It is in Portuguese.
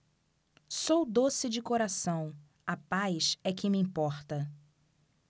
sou doce de coração a paz é que me importa